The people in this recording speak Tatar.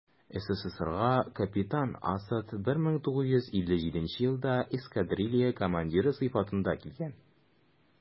СССРга капитан Асад 1957 елда эскадрилья командиры сыйфатында килгән.